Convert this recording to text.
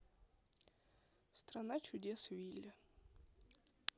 страна чудес вилли